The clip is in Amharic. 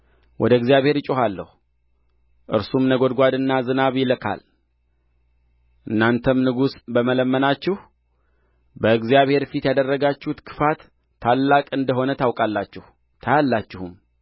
ወደ እግዚአብሔር እጮኻለሁ እርሱም ነጎድጓድና ዝናብ ይልካል እናንተም ንጉሥ በመለመናችሁ በእግዚአብሔር ፊት ያደረጋችሁት ክፋት ታላቅ እንደ ሆነ ታውቃላችሁ ታያላችሁም ሳ